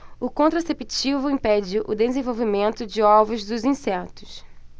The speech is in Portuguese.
o contraceptivo impede o desenvolvimento de ovos dos insetos